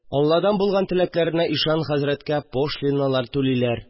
Алладан булган теләкләренә ишан хәзрәткә пошлиналар түлилә